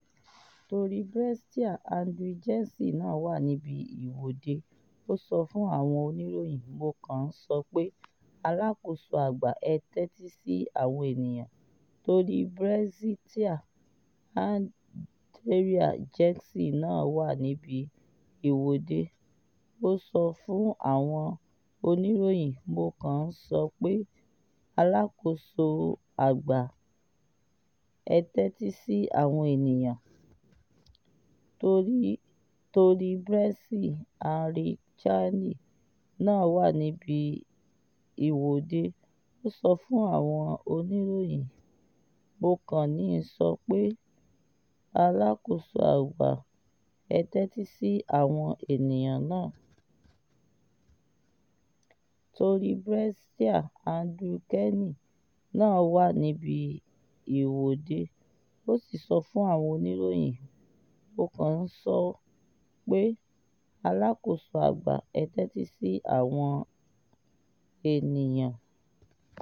Tory Brexiteer Andrea Jenkyns náà wà níbi ìwọ́de, ó sọ fún àwọn oníròyìn: 'Mo kàn ń sọ pé: Alákòóso àgbà, ẹ tẹ́tí sí àwọn ènìyàn.